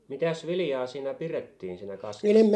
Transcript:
mitäs viljaa siinä pidettiin siinä kaskessa